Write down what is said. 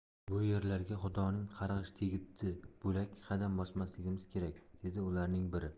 bu yerlarga xudoning qarg'ishi tegibdi bo'lak qadam bosmasligimiz kerak dedi ularning biri